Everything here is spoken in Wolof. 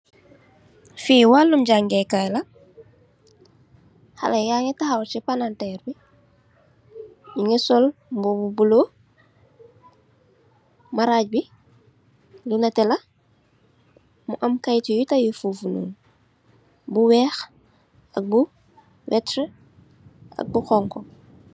Fee walum jagekay la haleh yage tahaw se palanterr be nuge sol mubu bulo marage be lu neteh la mu am keyete yu taye fofunon bu weex ak bu nerte ak bu xonxo.